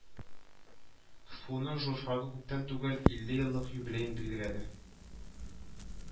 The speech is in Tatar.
КэФэУның журфагы күптән түгел илле еллык юбилеен билгеләде